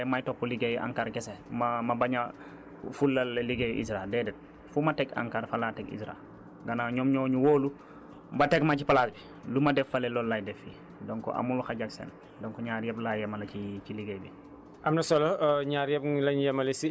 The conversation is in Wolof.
donc du ma nekk fii rekk ñu ne agent ANCAR laa rek may topp liggéeyu ANCAR bi kese ma ma bañ a fulaal liggéeyu ISRA déedéet fu ma teg ANCAR fa laa teg ISRA gannaaw ñoom ñoo ñu wóolu ba teg ma ci place bi lu ma def fële loolu laay def fii donc amul xàjj ak seen donc ñaar yépp laa yemale ci ci liggéey bi